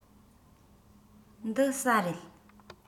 འདི ཟྭ རེད